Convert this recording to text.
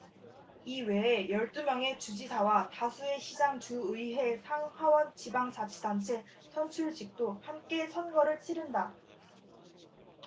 이외에 열 두 명의 주지사와 다수의 시장 주 의회 상 하원 지방자치단체 선출직도 함께 선거를 치른다